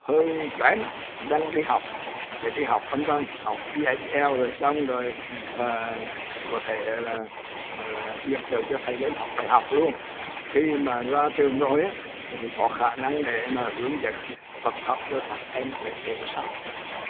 hơi cánh đang đi học phải đi học anh văn học i ai seo rồi xong rồi à có thể là yểm trợ cho thầy dạy học đại học luôn khi mà ra trường rồi á có khả năng để mà hướng dẫn phật học cho các em thế hệ sau